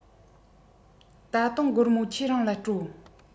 ད དུང སྒོར མོ ཁྱེད རང ལ སྤྲོད